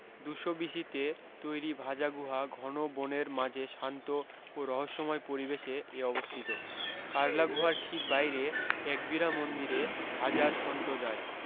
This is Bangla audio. দুশো বিসিতে তৈরী ভাজা গূহা ঘন বনের মাঝে শান্ত ও রহস্যময় পরিবেশে এ অবস্থিত কারলা গুহার ঠিক বাইরে একবীরা মন্দিরে হাজার সন্ত যায়